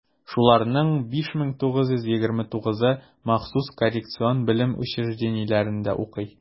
Шуларның 5929-ы махсус коррекцион белем бирү учреждениеләрендә укый.